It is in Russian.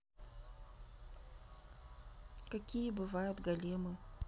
какие бывают големы